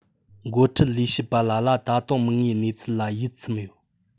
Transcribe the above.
འགོ ཁྲིད ལས བྱེད པ ལ ལ ད དུང མིག སྔའི གནས ཚུལ ལ ཡིད ཚིམས ཡོད